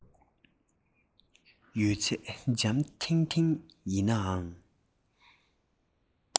ཡོད ཚད འཇམ ཐིང ཐིང ཡིན ནའང